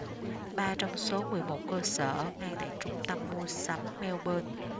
ba trong số mười một cơ sở ở ngay tại trung tâm mua sắm melbourne